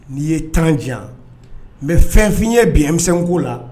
N'i ye temps di yan,n bɛ fɛn f'u ye bi M5 ko la